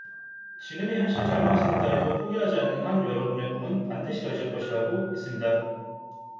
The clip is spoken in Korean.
지금의 현실이 절망스럽다 해도 포기하지 않는 한 여러분의 꿈은 반드시 이뤄질 것이라고 믿습니다